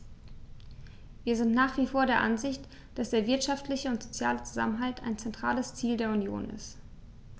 Wir sind nach wie vor der Ansicht, dass der wirtschaftliche und soziale Zusammenhalt ein zentrales Ziel der Union ist.